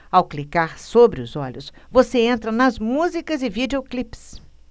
ao clicar sobre os olhos você entra nas músicas e videoclipes